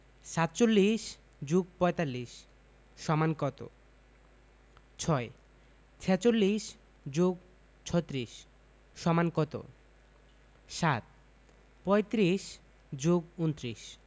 ৪৭ + ৪৫ = কত ৬ ৪৬ + ৩৬ = কত ৭ ৩৫ + ২৯